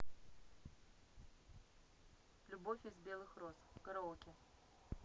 любовь из белых роз караоке